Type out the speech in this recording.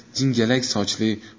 jingalak sochli